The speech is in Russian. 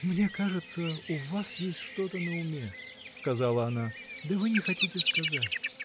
— Мне кажется, у вас есть что-то на уме, — сказала она, — да вы не хотите сказать.